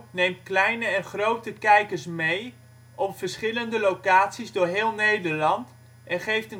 neemt kleine en grote kijkers mee op verschillende locaties door heel Nederland en geeft